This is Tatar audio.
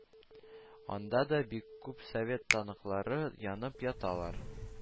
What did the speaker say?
Анда да бик күп совет танклары янып яталар